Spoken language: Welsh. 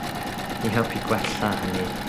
I helpu gwella hynny